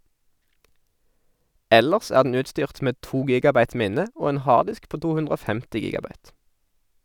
Ellers er den utstyrt med to gigabyte minne og en harddisk på 250 gigabyte.